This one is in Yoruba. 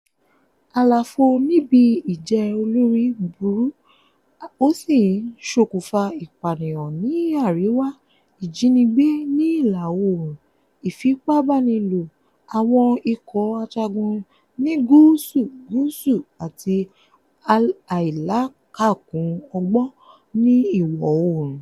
Àlàfo níbi ìjẹ́ olórí burú ó sì ń ṣokùnfà ìpànìyàn ní àríwá, ìjínigbé ní ìlà-oòrùn, ìfipábánilò àwọn ikọ̀ ajagun ní Gúúsù Gúúsù àti àìlákàkún ọgbọ́n ní ìwọ̀ oòrùn.